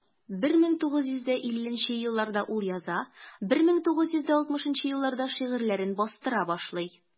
1950 елларда ул яза, 1960 елларда шигырьләрен бастыра башлый.